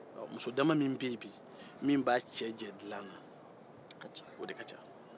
ɔ muso dama min bɛ yen bi min b'a cɛ jɛ dilanna o de ka ca